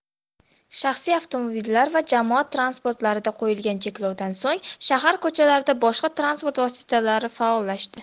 shaxsiy avtomobillar va jamoat transportlariga qo'yilgan cheklovdan so'ng shahar ko'chalarida boshqa transport vositalari faollashdi